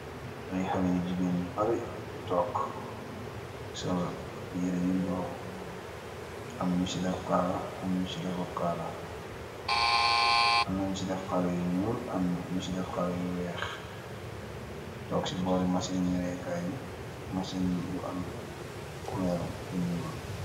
Ayy xaleh yu jigeen yu bari yu toog sool yereh yu nduru aam nyu si deff kala aam nyu si defut kala aam na nyu si deff kala yu nuul aam nyu si deff kala yu weex toog si bori machini nyaweh kai bi machine bu aam culur bu nuul.